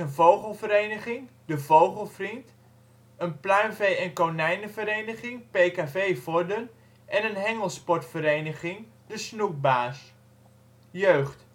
vogelvereniging De Vogelvriend, pluimvee - en konijnenvereniging PKV Vorden en hengelsportvereniging De Snoekbaars Jeugd